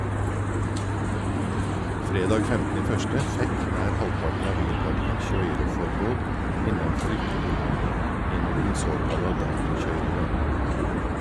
Fredag 15.1 fekk nær halvparten av bilparken køyreforbod innanfor ytre bomring, gjennom den såkalla datokøyringa.